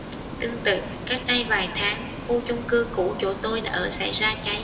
tương tự cách đây vài tháng khu chung cư cũ chỗ tôi ở xảy ra cháy